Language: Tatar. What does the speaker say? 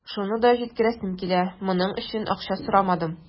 Шуны да җиткерәсем килә: моның өчен акча сорамадым.